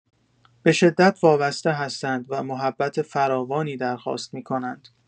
به‌شدت وابسته هستند و محبت فراوانی درخواست می‌کنند.